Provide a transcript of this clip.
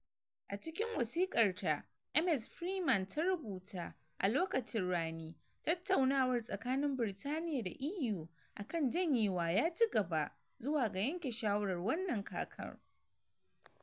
A cikin wasikar ta, Ms Freeman ta rubuta: "A lokacin rani, tattaunawar tsakanin Birtaniya da EU a kan janyewa ya ci gaba, zuwa ga yanke shawarar wannan kakan.